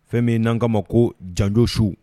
Fɛn min n'an' ma ko janj su